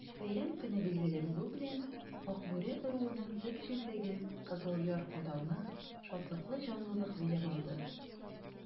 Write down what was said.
Бәйрәм көне билгеле булу белән, Акбүре ыруының төп җирлеге Кызыл Яр-катауны шатлыклы җанлылык биләп алды.